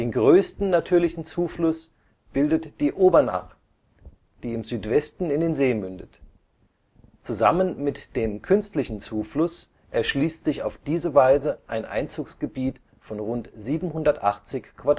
größten natürlichen Zufluss bildet die Obernach, die im Südwesten in den See mündet. Zusammen mit dem künstlichen Zufluss (siehe Kapitel Besonderheiten) erschließt sich auf diese Weise ein Einzugsgebiet von rund 780 km²